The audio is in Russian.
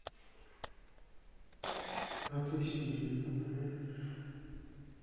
а ты сири знаешь